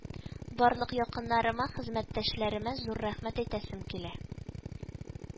Барлык якыннарыма, хезмәттәшләремә зур рәхмәт әйтәсем килә